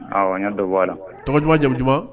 An' dɔbɔ a la tɔgɔ duman jamu dumanba